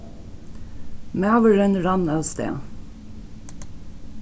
maðurin rann avstað